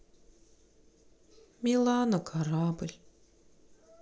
милана корабль